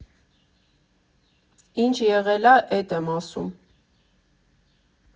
Ինչ եղել ա, էդ եմ ասում։